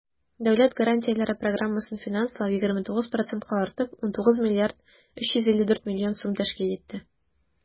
Дәүләт гарантияләре программасын финанслау 29 процентка артып, 19 млрд 354 млн сум тәшкил итте.